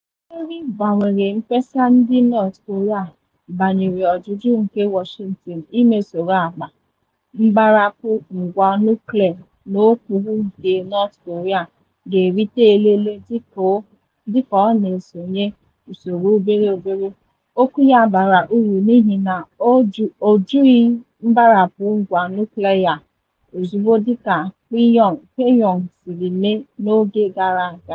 Ebe Ri gbanwere mkpesa ndị North Korea banyere ọjụjụ nke Washington ime usoro “agba” mgbarapụ ngwa nuklịa n’okpuru nke North Korea ga-erite elele dịka ọ na-esonye usoro obere obere, okwu ya bara uru n’ihi na ọ jụghị mgbarapụ ngwa nuklliya ozugbo dịka Pyongyang siri mee n’oge gara aga.